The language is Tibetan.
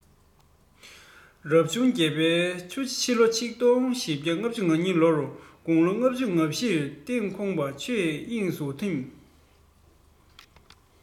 རབ བྱུང བརྒྱད པའི ཆུ བྱི ཕྱི ལོ ༡༤༩༢ ལོར དགུང ལོ ལྔ བཅུ ང བཞིའི སྟེང དགོངས པ ཆོས དབྱིངས སུ འཐིམས